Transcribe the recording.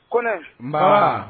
Kone nbaa